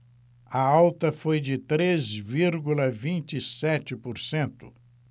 a alta foi de três vírgula vinte e sete por cento